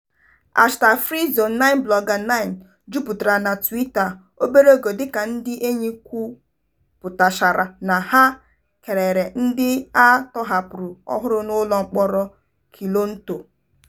#FreeZone9Blogger9 jupụtara na Twitter obere oge dịka ndị enyi kwupụtachara na ha kelere ndị a tọhapụrụ ọhụrụ n'ụlọmkpọrọ Kilnto.